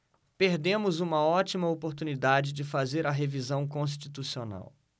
perdemos uma ótima oportunidade de fazer a revisão constitucional